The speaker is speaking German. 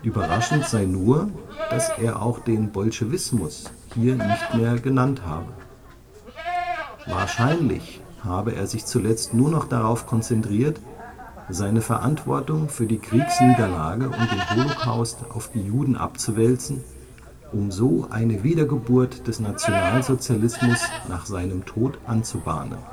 Überraschend sei nur, dass er auch den „ Bolschewismus “hier nicht mehr genannt habe. Wahrscheinlich habe er sich zuletzt nur noch darauf konzentriert, seine Verantwortung für die Kriegsniederlage und den Holocaust auf die Juden abzuwälzen, um so eine „ Wiedergeburt “des Nationalsozialismus nach seinem Tod anzubahnen